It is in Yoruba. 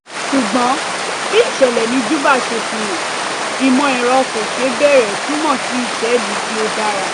Ṣùgbọ́n, bí ìṣẹ̀lẹ̀ ní Juba ṣe fihàn, ìmọ̀-ẹ̀rọ kò ṣe bẹrẹ túmọ̀ sí ìṣèlú tí ó dára.